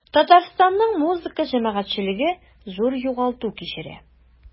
Татарстанның музыка җәмәгатьчелеге зур югалту кичерә.